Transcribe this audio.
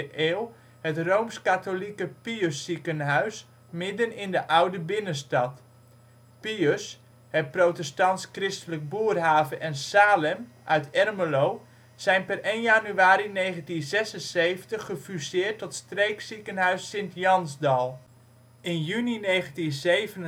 eeuw het Rooms Katholieke Piusziekenhuis midden in de oude binnenstad. Pius, het protestants christelijke Boerhaave en Salem uit Ermelo zijn per 1 januari 1976 gefuseerd tot Streekziekenhuis Sint Jansdal. In juni 1987 werd